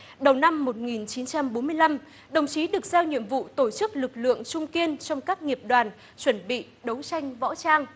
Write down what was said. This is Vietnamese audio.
đầu năm một nghìn chín trăm bốn mươi lăm đồng chí được giao nhiệm vụ tổ chức lực lượng trung kiên trong các nghiệp đoàn chuẩn bị đấu tranh võ trang